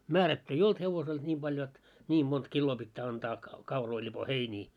määrätty ei ollut hevosella että niin paljon jotta niin monta kiloa pitää antaa kauroja lipoa heiniä